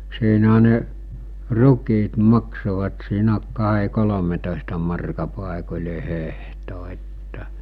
siinähän ne rukiit maksoivat siinä kahden kolmetoista markan paikoin hehto että